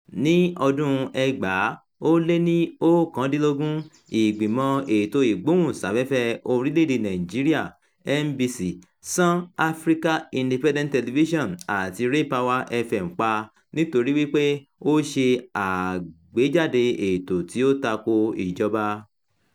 Ní ọdún-un 2019, Ìgbìmọ̀ Ètò Ìgbóhùnsáfẹ́fẹ́ Orílẹ̀-èdèe Nàìjíríà (NBC) ṣán African Independent Television àti RayPower FM pa nítorí wípé ó ṣe àgbéjáde ètò tí ó tako ìjọba.